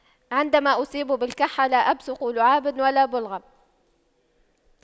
عندما أصيب بالكحة لا ابصق لعابا ولا بلغم